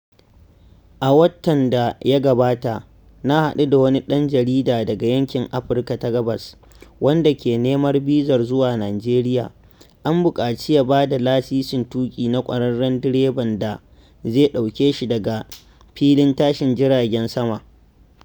A watan da ya gabata, na haɗu da wani ɗan jarida daga yankin Afirka ta Gabas wanda ke neman bizar zuwa Nijeriya. An buƙaci ya ba da lasisin tuƙi na ƙwararren direban da zai ɗauke shi daga filin tashin jiragen sama!